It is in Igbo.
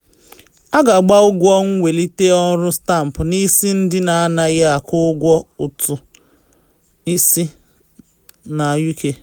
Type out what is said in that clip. A ga-agba ụgwọ mwelite ọrụ stampụ n’isi ndị na anaghị akwụ ụgwọ ụtụ isi na UK